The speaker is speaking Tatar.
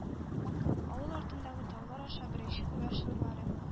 Авыл артындагы таулар аша беренче кояш нурлары